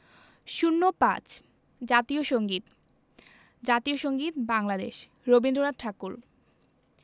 ০৫ জাতীয় সংগীত জাতীয় সংগীত বাংলাদেশ রবীন্দ্রনাথ ঠাকুর